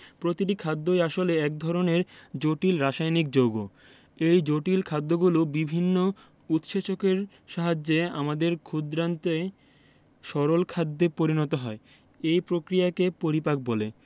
প্রতিটি খাদ্যই আসলে এক ধরনের জটিল রাসায়নিক যৌগ এই জটিল খাদ্যগুলো বিভিন্ন উৎসেচকের সাহায্যে আমাদের ক্ষুদ্রান্তে সরল খাদ্যে পরিণত হয় এই প্রক্রিয়াকে পরিপাক বলে